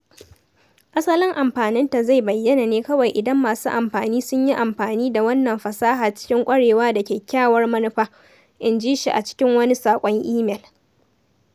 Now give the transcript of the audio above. “Asalin amfaninta zai bayyana ne kawai idan masu amfani sun yi amfani da wannan fasaha cikin ƙwarewa da kyakkyawar manufa,” in ji shi a cikin wani saƙon imel.